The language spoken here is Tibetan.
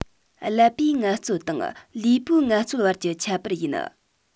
ཀླད པའི ངལ རྩོལ དང ལུས པོའི ངལ རྩོལ བར གྱི ཁྱད པར ཡིན